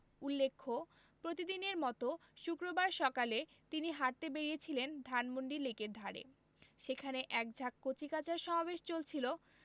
উল্লেখ্য প্রতিদিনের মতো শুক্রবার সকালে তিনি হাঁটতে বেরিয়েছিলেন ধানমন্ডি লেকের ধারে সেখানে এক ঝাঁক কচিকাঁচার সমাবেশ চলছিল